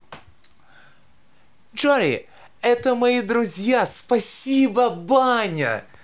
jory это мои друзья спасибо баня